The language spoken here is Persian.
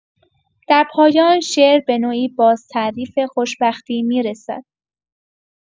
در پایان، شعر به‌نوعی بازتعریف خوشبختی می‌رسد.